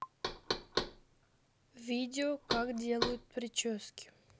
видео как делают прически